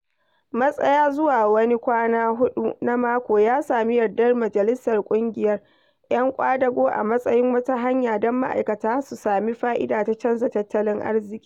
Matsaya zuwa wani kwana huɗu na mako ya sami yardar Majalisar Ƙungiyar 'Yan Ƙwadago a matsayin wata hanya don ma'aikata su sami fa'ida ta canza tattalin arzikin.